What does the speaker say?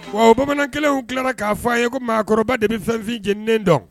Wa o bamanan kelenw tilala k'a fɔ a ye ko maakɔrɔbaba de bɛ fɛn fin jeninen dɔn.